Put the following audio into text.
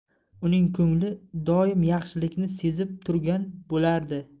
uning ko'ngli doim yaxshilikni sezib turgan bo'lardi